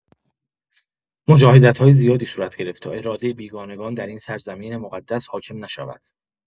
مجاهدت‌های زیادی صورت گرفت تا اراده بیگانگان در این سرزمین مقدس حاکم نشود.